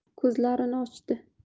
ko'zlarini ochdi